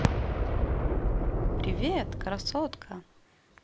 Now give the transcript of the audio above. привет красотка